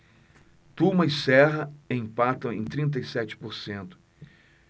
tuma e serra empatam em trinta e sete por cento